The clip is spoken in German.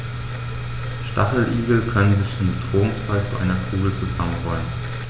Stacheligel können sich im Bedrohungsfall zu einer Kugel zusammenrollen.